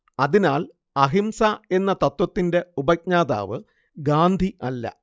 അതിനാൽ അഹിംസ എന്ന തത്ത്വത്തിന്റെ ഉപജ്ഞാതാവ് ഗാന്ധി അല്ല